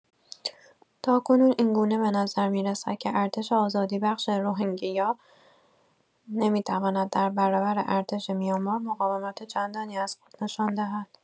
تا کنون این‌گونه به نظر می‌رسد که ارتش آزادیبخش روهینگیا نمی‌تواند در برابر ارتش میانمار مقاومت چندانی از خود نشان دهد.